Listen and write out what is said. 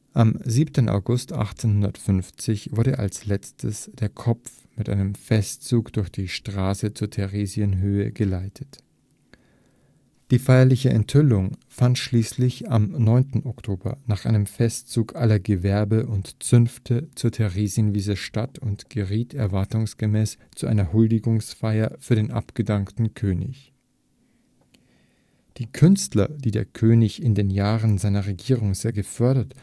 Am 7. August 1850 wurde als letztes der Kopf mit einem Festzug durch die Stadt zur Theresienhöhe geleitet. Die feierliche Enthüllung fand schließlich am 9. Oktober nach einem Festzug aller Gewerbe und Zünfte zur Theresienwiese statt und geriet erwartungsgemäß zu einer Huldigungsfeier für den abgedankten König. Die Künstler, die der König in den Jahren seiner Regierung sehr gefördert